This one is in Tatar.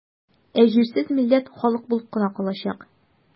Ә җирсез милләт халык булып кына калачак.